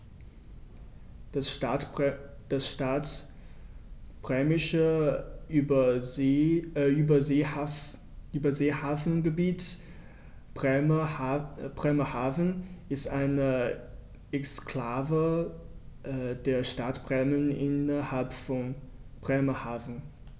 Das Stadtbremische Überseehafengebiet Bremerhaven ist eine Exklave der Stadt Bremen innerhalb von Bremerhaven.